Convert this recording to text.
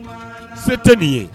Se tɛ nin ye